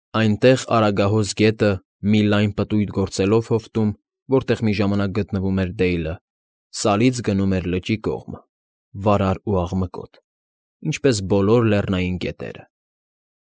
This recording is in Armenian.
Այնտեղ Արագահոս գետը, մի լայն պտույտ գործելով հովտում, որտեղ մի ժամանակ գտնվում էր Դեյլը, Սարից գնում էր լճի կողմը, վարար ու աղմկոտ, ինչպես բոլոր լեռնային գետերը։